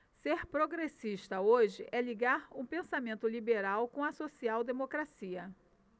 ser progressista hoje é ligar o pensamento liberal com a social democracia